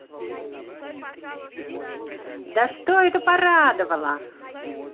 да что это порадовала